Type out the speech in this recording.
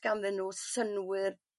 ganddyn nhw synnwyr